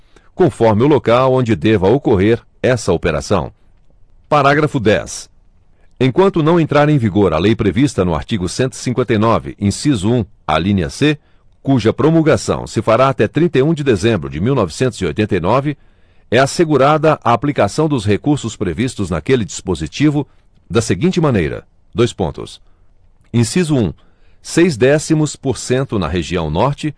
conforme o local onde deva ocorrer essa operação parágrafo dez enquanto não entrar em vigor a lei prevista no artigo cento e cinquenta e nove inciso um alínea c cuja promulgação se fará até trinta e um de dezembro de mil e novecentos e oitenta e nove é assegurada a aplicação dos recursos previstos naquele dispositivo da seguinte maneira dois pontos inciso um seis décimos por cento na região norte